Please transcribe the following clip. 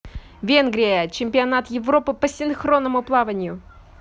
венгрия чемпионат европы по синхронному плаванию